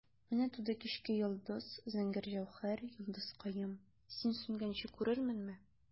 Менә туды кичке йолдыз, зәңгәр җәүһәр, йолдызкаем, син сүнгәнче күрерменме?